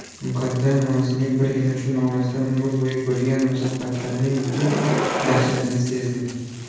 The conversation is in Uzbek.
muqaddam onasining birgina shu nolasidan umr bo'yi ko'rgan mashaqqatlarining butun dahshatini sezdi